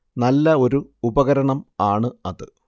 നല്ല ഒരു ഉപകരണം ആണ് അത്